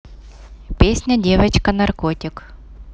песня девочка наркотик